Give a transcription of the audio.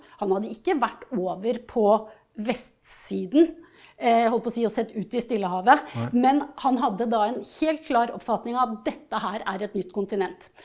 han hadde ikke vært over på vestsiden holdt på å si og sett ut i Stillehavet, men han hadde da en helt klar oppfatning at dette her er et nytt kontinent.